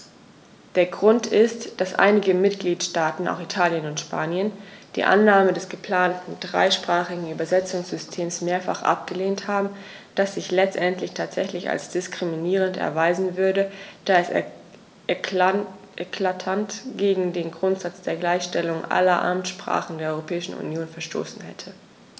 Der Grund ist, dass einige Mitgliedstaaten - auch Italien und Spanien - die Annahme des geplanten dreisprachigen Übersetzungssystems mehrfach abgelehnt haben, das sich letztendlich tatsächlich als diskriminierend erweisen würde, da es eklatant gegen den Grundsatz der Gleichstellung aller Amtssprachen der Europäischen Union verstoßen hätte.